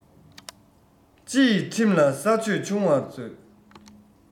སྤྱི ཡི ཁྲིམས ལ ས ཆོད ཆུང བར མཛོད